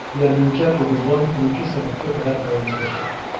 Ярминкә 9 дан 12 сәгатькә кадәр дәвам итәчәк.